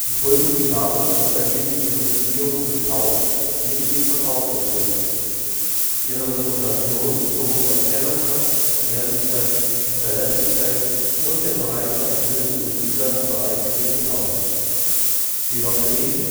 Tulpenliebhaber unterhielten ihre Beziehungen durch den Tausch, nicht den Verkauf von Tulpen. Ihre Reputation beruhte auf Kennerschaft, Ehrlichkeit, Verlässlichkeit und der Bereitschaft, Wissen und Güter bereitwillig zu tauschen. Jedoch bedingte